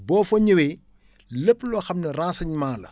boo fa ñëwee lépp loo xam ne renseignement la